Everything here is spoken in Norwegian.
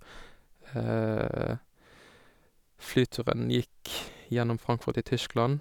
Flyturen gikk gjennom Frankfurt i Tyskland.